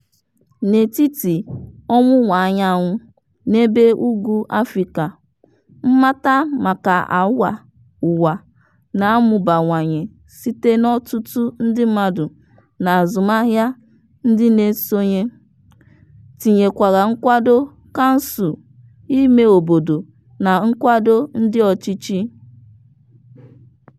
N'etiti ọwụwaanyanwụ na ebe ugwu Afrịka, mmata maka awa ụwa na-amụbawanye site n'ọtụtụ ndị mmadụ na azụmaahịa ndị na-esonye, tinyekwara nkwado kansụl imeobodo na nkwado ndị ọchịchị.